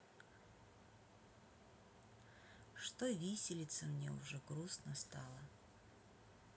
что виселица мне уже грустно стало